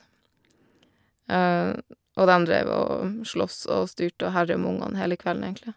Og dem dreiv og sloss og styrte og herja med ungene hele kvelden, egentlig.